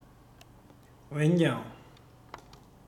འོན ཀྱང